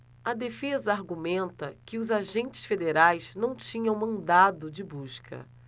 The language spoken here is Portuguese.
a defesa argumenta que os agentes federais não tinham mandado de busca